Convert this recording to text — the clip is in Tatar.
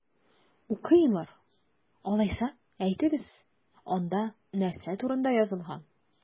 Укыйлар! Алайса, әйтегез, анда нәрсә турында язылган?